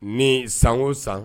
Ni san o san